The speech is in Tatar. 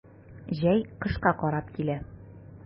Җәй кышка карап килә.